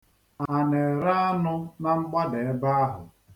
A na-ere anụ na mgbada ebe ahụ?